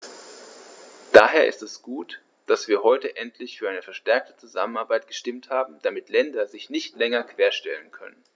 Daher ist es gut, dass wir heute endlich für eine verstärkte Zusammenarbeit gestimmt haben, damit gewisse Länder sich nicht länger querstellen können.